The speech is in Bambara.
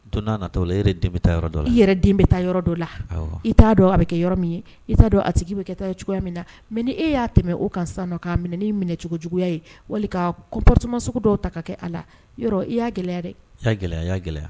Don natɔ la i yɛrɛ den bɛ taa yɔrɔ dɔn la i yɛrɛ den bɛ taa yɔrɔ dɔ la i t'a dɔn a bɛ kɛ yɔrɔ min ye i t'a dɔn a tigi bɛ kɛ taa cogoya min na mɛ e y'a tɛmɛ o kan ka minɛn minɛ cogo juguya ye walima ka kotɔsoma sugu dɔw ta ka kɛ a la yɔrɔ i y'a gɛlɛya dɛ'a gɛlɛya y' gɛlɛyaya